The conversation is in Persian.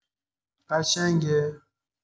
قشنگه؟